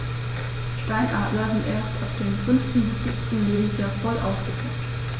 Steinadler sind erst ab dem 5. bis 7. Lebensjahr voll ausgefärbt.